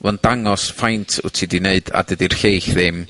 ma'n dangos faint wt ti 'di neud a dydi'r lleill ddim...